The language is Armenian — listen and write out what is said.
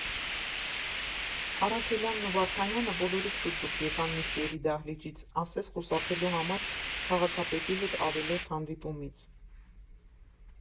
Առաքելյանն ու Վարդանյանը բոլորից շուտ դուրս եկան նիստերի դահլիճից, ասես խուսափելու համար քաղաքապետի հետ ավելորդ հանդիպումից։